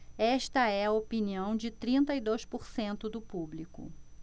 esta é a opinião de trinta e dois por cento do público